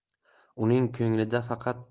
uning ko'nglida faqat